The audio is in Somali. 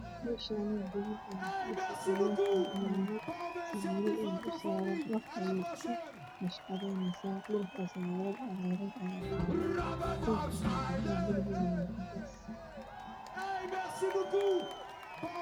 Meeshaani gabar ayaa fadhiso alwaax ayaa u yaalo sabuurad ayaa usaaran wax ayey ku nashqadeenaysaa sabuurad cagaaran ayaa taalo dhulka waa cagaar darbiga waa cadays